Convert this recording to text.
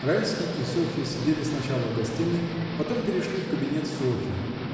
Райский и Софья сидели сначала в гостиной, потом перешли в кабинет Софьи.